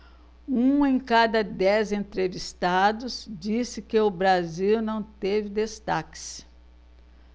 um em cada dez entrevistados disse que o brasil não teve destaques